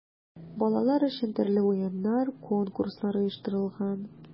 Балалар өчен төрле уеннар, конкурслар оештырылган.